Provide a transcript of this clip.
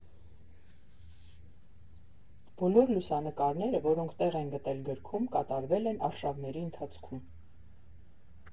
Բոլոր լուսանկարները, որոնք տեղ են գտել գրքում, կատարվել են արշավների ընթացքում։